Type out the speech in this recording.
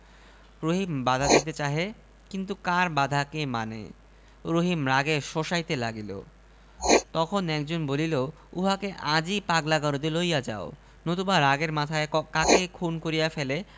রহিম বাধা দিতে চাহে কিন্তু কার বাধা কে মানে রহিম রাগে শোষাইতে লাগিল তখন একজন বলিল উহাকে আজই পাগলা গারদে লইয়া যাও নতুবা রাগের মাথায় কাকে খুন করিয়া ফেলে